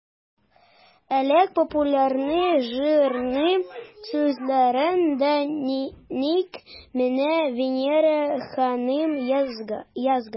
Әлеге популяр җырның сүзләрен дә нәкъ менә Винера ханым язган.